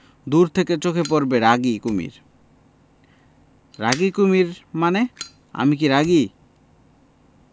দূর থেকে চোখে পড়বে রাগী কুমীর' রাগী কুমীর মানে আমি কি রাগী